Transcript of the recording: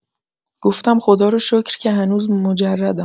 گفتم خداروشکر که هنوز مجردم.